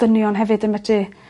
dynion hefyd yn metru